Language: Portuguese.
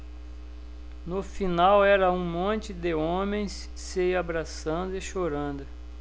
no final era um monte de homens se abraçando e chorando